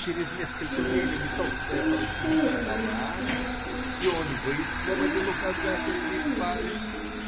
Через несколько времени толстая парусина подалась, и он высвободил указательный палец.